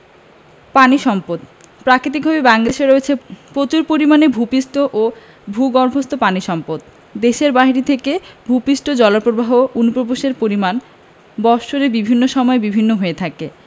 পানি সম্পদঃ প্রাকৃতিকভাবেই বাংলাদেশের রয়েছে প্রচুর পরিমাণে ভূ পৃষ্ঠস্থ ও ভূগর্ভস্থ পানি সম্পদ দেশের বাইরে থেকে ভূ পৃষ্ঠস্থ জলপ্রবাহ অনুপ্রবেশের পরিমাণ বৎসরের বিভিন্ন সময়ে বিভিন্ন হয়ে থাকে